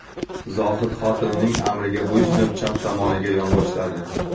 zohid xotinining amriga bo'ysunib chap tomoniga yonboshladi